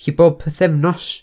Felly bob pythefnos...